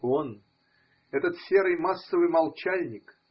Он. этот серый массовый молчальник.